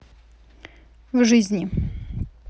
в жизни